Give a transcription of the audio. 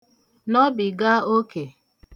nọbìga okè